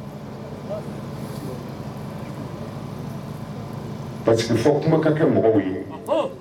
Parce fɔ kuma ka kɛ mɔgɔ ye